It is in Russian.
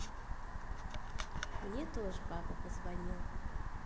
мне тоже папа позвонил